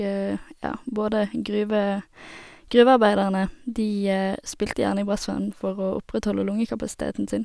Ja, både gruve gruvearbeiderne, de spilte gjerne i brassband for å opprettholde lungekapasiteten sin.